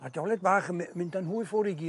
ma' dioled bach yn my- mynd yn hwy ffwr' i gyd.